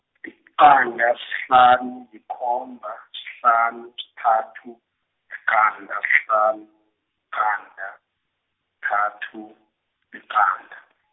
liqanda sihlanu likhomba sihlanu sithathu, yiqanda sihlanu, qanda, kuthathu, liqanda.